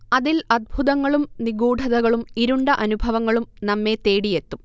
അതിൽ അത്ഭുതങ്ങളും നിഗൂഢതകളും ഇരുണ്ട അനുഭവങ്ങളും നമ്മേ തേടിയെത്തും